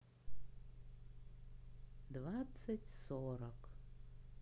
двадцать сорок